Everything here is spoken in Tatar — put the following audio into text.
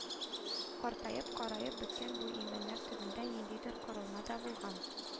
Картаеп, караеп беткән бу имәннәр төбендә ниндидер корылма да булган